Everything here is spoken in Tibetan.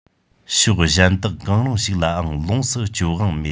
ཕྱོགས གཞན དག གང རུང ཞིག ལའང ལོངས སུ སྤྱོད དབང མེད